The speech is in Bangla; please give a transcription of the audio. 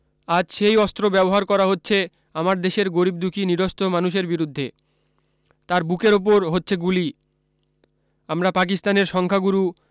আজ সেই অস্ত্র ব্যবহার হচ্ছে আমার দেশের গরিব দুঃখী নিরস্ত্র মানুষের বিরূদ্ধে তার বুকের উপর হচ্ছে গুলি আমরা পাকিস্তানের সংখ্যাগুরু